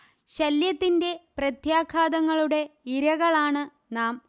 ശല്യത്തിന്റെ പ്രത്യാഘാതങ്ങളുടെ ഇരകളാണ് നാം